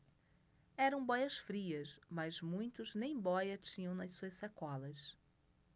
eram bóias-frias mas muitos nem bóia tinham nas suas sacolas